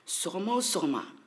sɔgɔ ma o sɔgɔ ma